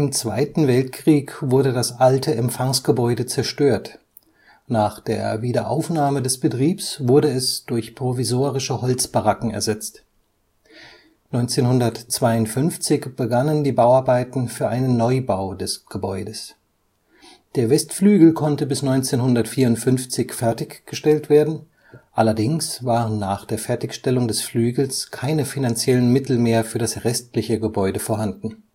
Zweiten Weltkrieg wurde das alte Empfangsgebäude zerstört, nach der Wiederaufnahme des Betriebs wurde es durch provisorische Holzbaracken ersetzt. 1952 begannen die Bauarbeiten für einen Neubau des Gebäudes. Der Westflügel konnte bis 1954 fertiggestellt werden, allerdings waren nach der Fertigstellung des Flügels keine finanziellen Mittel mehr für das restliche Gebäude vorhanden